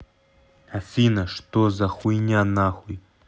афина что за хуйня нахуй